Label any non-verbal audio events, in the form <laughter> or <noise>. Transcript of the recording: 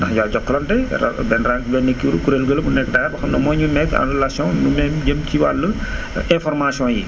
ndax y a Jokalante benn ra <noise> benn kii la kuréel ga la bu nekk Dakar boo xam ne moo ñu mettre en relation mais lu jëm ci wàllu <noise> informations yi